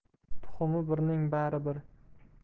tuxumi birning bari bir